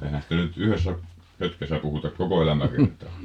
eihän sitä nyt yhdessä pötkössä puhuta koko elämäkertaa